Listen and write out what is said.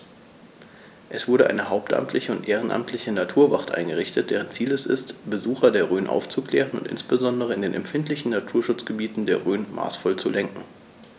Es wurde eine hauptamtliche und ehrenamtliche Naturwacht eingerichtet, deren Ziel es ist, Besucher der Rhön aufzuklären und insbesondere in den empfindlichen Naturschutzgebieten der Rhön maßvoll zu lenken.